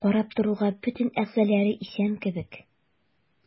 Карап торуга бөтен әгъзалары исән кебек.